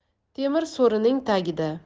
temir so'rining tagida